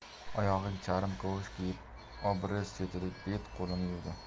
oyog'iga charm kavush kiyib obrez chetida bet qo'lini yuvdi